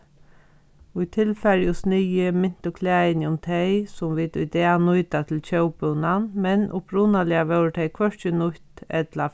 í tilfari og sniði mintu klæðini um tey sum vit í dag nýta til tjóðbúnan men upprunaliga vórðu tey hvørki nýtt ella